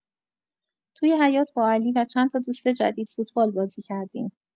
توی حیاط با علی و چندتا دوست جدید فوتبال بازی کردیم.